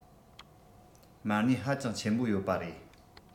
མ གནས ཧ ཅང ཆེན པོ ཡོད པ རེད